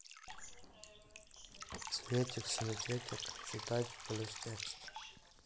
цветик семицветик читать плюс текст